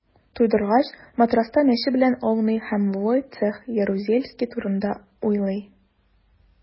Туйдыргач, матраста мәче белән ауный һәм Войцех Ярузельский турында уйлый.